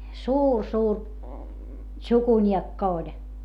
suuri suuri tsukuniekka oli